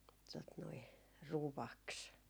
tuota noin ruoaksi